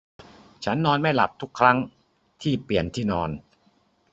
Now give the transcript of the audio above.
ฉันนอนไม่หลับทุกครั้งที่เปลี่ยนที่นอน